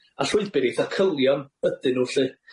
A llwybyr eitha' cylion ydyn nw lly.